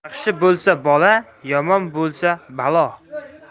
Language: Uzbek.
yaxshi bo'lsa bola yomon bo'lsa balo